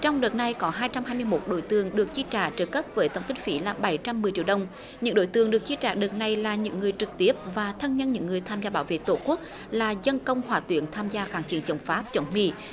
trong đợt này có hai trăm hai mươi mốt đối tượng được chi trả trợ cấp với tổng kinh phí là bảy trăm mười triệu đồng những đối tượng được chi trả đợt này là những người trực tiếp và thân nhân những người tham gia bảo vệ tổ quốc là dân công hỏa tuyến tham gia kháng chiến chống pháp chống mỹ